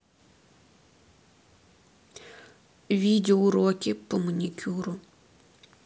видео уроки по маникюру